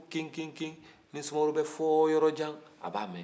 kin kin kin ni sumaworo bɛ fo yɔrɔ jan a b'a mɛ